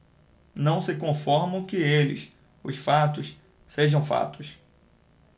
não se conformam que eles os fatos sejam fatos